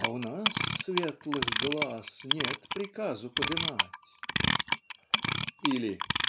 А у нас светлых глаз Нет приказу подымать. Или